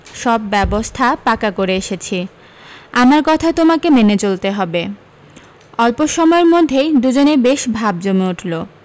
সব ব্যবস্থা পাকা করে এসেছি আমার কথা তোমাকে মেনে চলতে হবে অল্প সময়ের মধ্যেই দুজনের বেশ ভাব জমে উঠল